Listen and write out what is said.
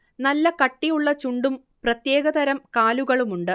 നല്ല കട്ടിയുള്ള ചുണ്ടും പ്രത്യേകതരം കാലുകളുമുണ്ട്